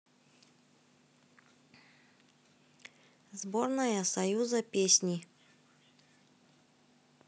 сборная союза песни